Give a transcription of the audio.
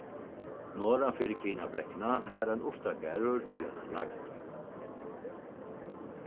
norðan fyri kinabrekkuna var ein urtagarður í eini lægd